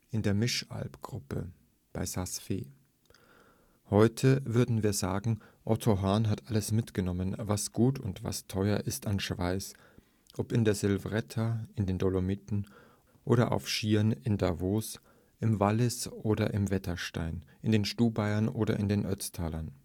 in der Mischabelgruppe bei Saas-Fee. Heute würden wir sagen, Otto Hahn hat alles mitgenommen, was gut und was teuer ist an Schweiß, ob in der Silvretta, in den Dolomiten, oder auf Skiern in Davos, im Wallis oder im Wetterstein, in den Stubaiern oder in den Ötztalern